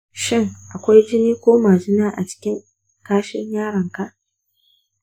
shin akwai jini ko majina a cikin kashin yaronka?